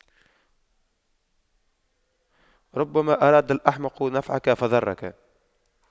ربما أراد الأحمق نفعك فضرك